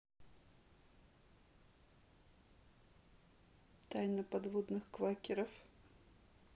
тайна подводных квакеров